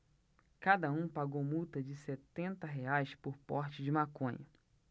cada um pagou multa de setenta reais por porte de maconha